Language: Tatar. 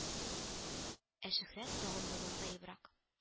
Ә Шөһрәт тагын да масаебрак: